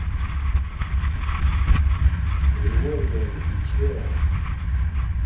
кривой говорю ты че